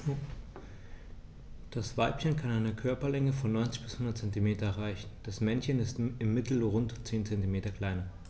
Das Weibchen kann eine Körperlänge von 90-100 cm erreichen; das Männchen ist im Mittel rund 10 cm kleiner.